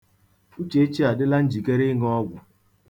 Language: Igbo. Uchechi adịla njikere ịṅụ ọgwụ.